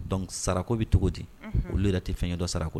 Dɔnkuc sara bɛ cogo di olu da tɛ fɛn dɔ sarakɔ